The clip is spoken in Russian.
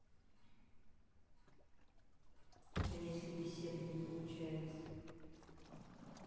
а если беседы не получается